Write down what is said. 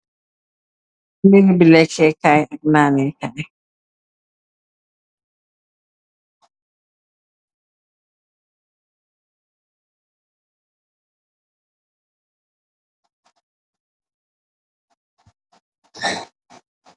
Barabi lekkeh kai ak naneh Kai.